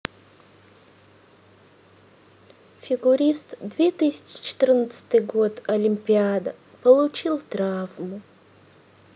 фигурист две тысячи четырнадцатый год олимпиада получил травму